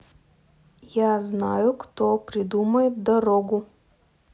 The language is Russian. я знаю кто придумает дорогу